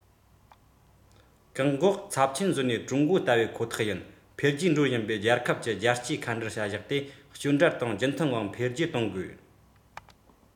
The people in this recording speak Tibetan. བཀག འགོག ཚབས ཆེན བཟོས ནས ཀྲུང གོ ལྟ བུའི ཁོ ཐག ཡིན འཕེལ རྒྱས འགྲོ བཞིན པའི རྒྱལ ཁབ ཀྱི རྒྱལ སྤྱིའི མཁའ འགྲུལ བྱ གཞག དེ སྐྱོན བྲལ དང རྒྱུན མཐུད ངང འཕེལ རྒྱས གཏོང དགོས